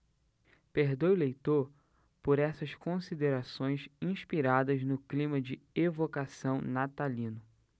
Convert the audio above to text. perdoe o leitor por essas considerações inspiradas no clima de evocação natalino